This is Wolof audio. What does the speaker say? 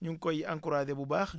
ñu ngi koy encoragé bu baax